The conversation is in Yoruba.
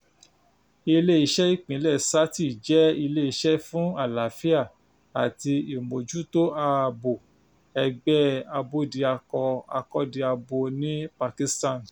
Ilé-iṣẹ́ ìpìlẹ̀ Sathi jẹ́ ilé-iṣẹ́ fún àlàáfíà àti ìmójútó ààbò ẹgbẹ́ abódiakọ-akọ́diabo ní Pakistan.